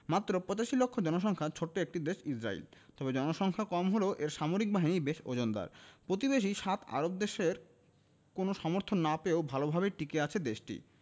মাত্র ৮৫ লাখ জনসংখ্যার ছোট্ট একটি দেশ ইসরায়েল তবে জনসংখ্যা কম হলেও এর সামরিক বাহিনী বেশ ওজনদার প্রতিবেশী সাত আরব দেশের কোনো সমর্থন না পেয়েও ভালোভাবেই টিকে আছে দেশটি